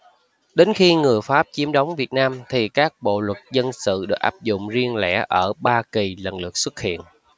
đến khi người pháp chiếm đóng việt nam thì các bộ luật dân sự được áp dụng riêng rẽ ở ba kỳ lần lượt xuất hiện